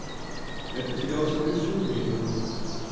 я потерялся в лесу имею в виду